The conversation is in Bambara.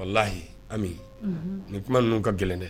Wallahi Ami, unhun, nin kuma ninu ka gɛlɛn dɛ